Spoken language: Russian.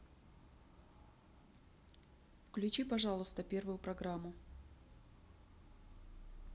включить пожалуйста первую программу